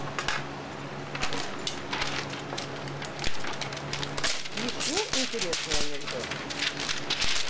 еще интересный анекдот